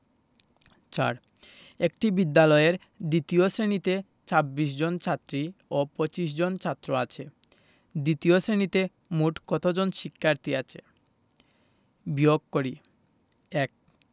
৪ একটি বিদ্যালয়ের দ্বিতীয় শ্রেণিতে ২৬ জন ছাত্রী ও ২৫ জন ছাত্র আছে দ্বিতীয় শ্রেণিতে মোট কত জন শিক্ষার্থী আছে বিয়োগ করিঃ ১